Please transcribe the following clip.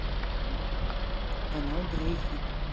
канал грейфит